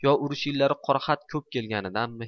yo urush yillari qora xat ko'p kelgandanmi